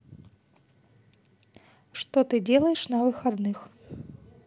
что ты делаешь на выходных